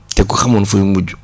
te ku xamoon fooy mujj